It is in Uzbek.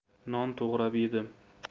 non to'g'rab yedim